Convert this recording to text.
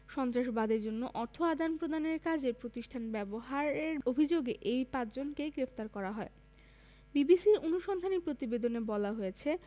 সন্ত্রাসবাদের জন্য অর্থ আদান প্রদানের কাজে প্রতিষ্ঠান ব্যবহারের অভিযোগে এই পাঁচজনকে গ্রেপ্তার করা হয় বিবিসির অনুসন্ধানী প্রতিবেদনে বলা হয়েছে